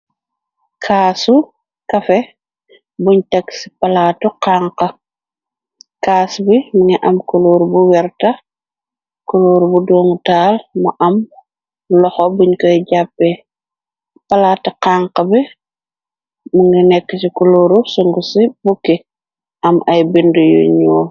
Kaasu kafe buñ tëg ci palaatu xanxa kaas bi mingi am kuloor bu werta kuloor bu dongutaal mu am loxo buñ koy jàppe palaatu xanx bi mu nga nekk ci kulooru sëngu ci bukki am ay binda yu ñyull.